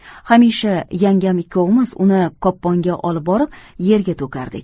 hamisha yangam ikkovimiz uni kopponga olib borib yerga to'kardik